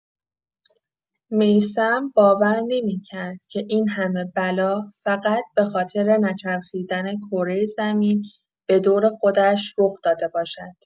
میثم باور نمی‌کرد که این‌همه بلا فقط به‌خاطر نچرخیدن کره زمین به دور خودش رخ‌داده باشد.